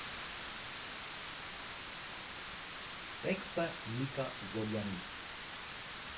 Տեքստը՝ Միկա Զոլյանի։